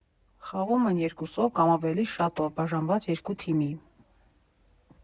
Խաղում են երկուսով կամ ավելի շատով՝ բաժանված երկու թիմի։